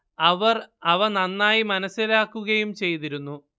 അവർ അവ നന്നായി മനസ്സിലാക്കുകയും ചെയ്തിരുന്നു